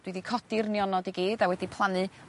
dwi 'di codi'r nionod i gyd a wedi plannu